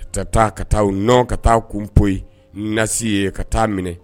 Ka taa ka taa u nɔ ka taa kun poyi nasi ye ka ta'a minɛ